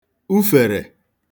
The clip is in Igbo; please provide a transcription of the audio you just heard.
ufèrè